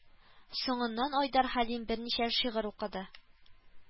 Соңыннан Айдар Хәлим берничә шигырь укыды